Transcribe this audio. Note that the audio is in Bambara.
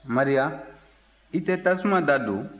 maria i tɛ tasuma dadon